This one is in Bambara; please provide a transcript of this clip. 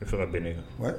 I fɛ ka bɛn ne